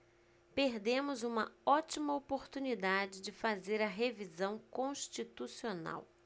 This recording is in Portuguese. perdemos uma ótima oportunidade de fazer a revisão constitucional